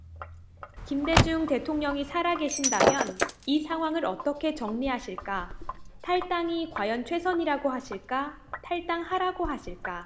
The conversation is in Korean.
김대중 대통령이 살아계신다면 이 상황을 어떻게 정리하실까 탈당이 과연 최선이라고 하실까 탈당하라고 하실까